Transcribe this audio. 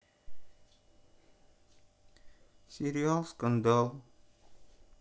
сериал скандал